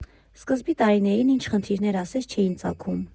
Սկզբի տարիներին ինչ խնդիրներ ասես չէին ծագում։